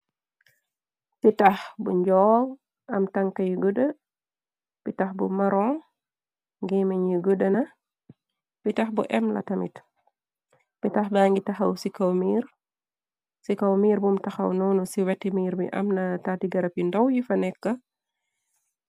pi tax bu njoow am tanka y gudde pitax bu maron ngéme ñuy gudde na pitax bu em latamit bitax ba ngi taxaw ci kaw miir bum taxaw noonu ci weti miir bi am na taddi gërab yi ndaw yi fa nekka